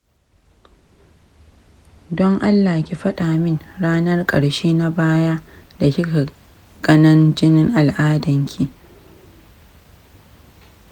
don allah ki faɗa min ranan ƙarshe na baya da kika ganan jinin al'adanki.